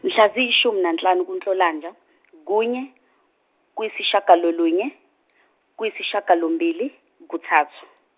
mhla ziyishuminanhlanu kuNhlolanja kunye kuyisishiyagalolunye kuyisishiyagalombili kuthathu.